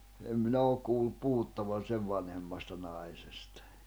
en minä ole kuullut puhuttavan sen vanhemmasta naisesta